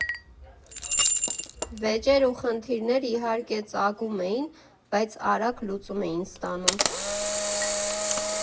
Վեճեր ու խնդիրներ, իհարկե ծագում էին, բայց արագ լուծում էին ստանում։